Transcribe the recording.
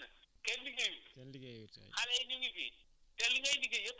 voilà te picc yi heure bu ñuy ñëw bu fekkee école tëj na kenn liggéeyul